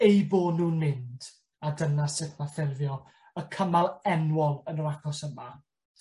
eu bo' nw'n mynd. A dyna sut ma' ffurfio y cymal enwol yn yr achos yma.